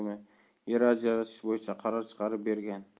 hokimi yer ajratish bo'yicha qaror chiqarib bergan